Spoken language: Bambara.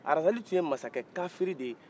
razali tun ye masakɛ kafiri de ye